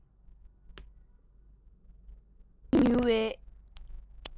འཇིག རྟེན ཉུལ བའི